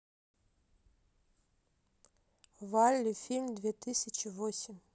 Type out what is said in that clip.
валли фильм две тысячи восемь